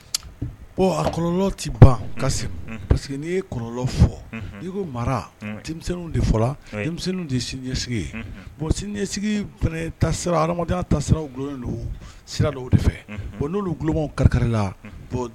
' marasigidenya de fɛ n'olu kari la